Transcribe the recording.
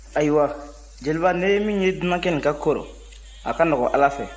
ayiwa jeliba ne ye min ye dunankɛ in ka ko rɔ a ka nɔgɔn ala fɛ